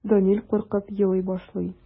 Данил куркып елый башлый.